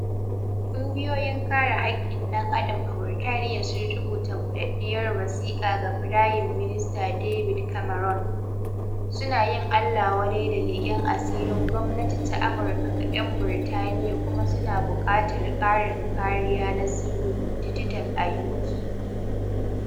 Ƙungiyoyin kare haƙƙin ɗan adam a Burtaniya sun rubuta buɗaɗɗiyar wasiƙa ga Firayim Minista David Cameron, suna yin Allah wadai da leƙen asirin gwamnati ta Amurka ga 'yan Burtaniya kuma suna buƙatar ƙarin kariya na sirrin dijital a UK.